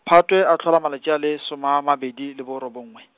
Phatwe a tlhola malatsi a le masoma a mabedi le borobongwe.